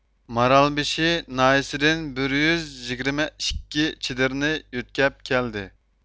مارالبېشى ناھىيىسىدىن بىر يۈز يىگىرمە ئىككى چېدىرنى يۆتكەپ كەلدى